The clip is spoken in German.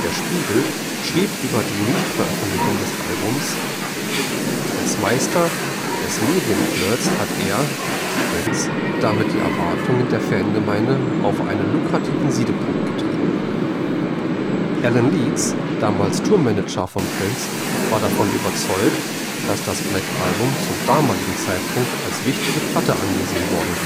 Spiegel schrieb über die Nichtveröffentlichung des Albums: „ Als Meister des Medienflirts hat er [Prince] damit die Erwartungen der Fangemeinde auf einen lukrativen Siedepunkt getrieben. “Alan Leeds, damals Tourmanager von Prince, war davon überzeugt, dass das Black Album zum damaligen Zeitpunkt als wichtige Platte angesehen worden